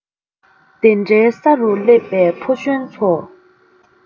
དེ འདྲའི ས རུ སླེབས པའི ཕོ གཞོན ཚོ